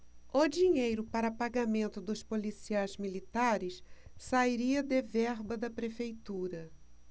o dinheiro para pagamento dos policiais militares sairia de verba da prefeitura